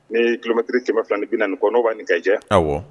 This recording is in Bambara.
N be kilomètre 200 ni kɔ bɔ. Mun ban ni Kayi cɛ.